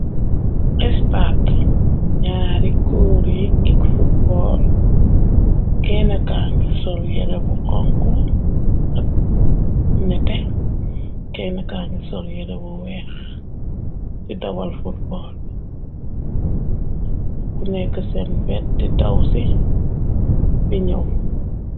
Estaat ñaari góor yi kikk futbal keyna kaangu. Sol yere bu xonku ak nete keyna kaanu sol yere bu weex di dawal futbal bi am naku nekk seen wet di taw ci bi ñëw.